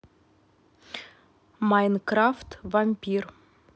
майнкрафт вампир